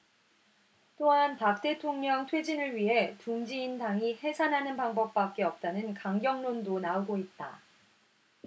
또한 박 대통령 퇴진을 위해 둥지인 당이 해산하는 방법밖에 없다는 강경론도 나오고 있다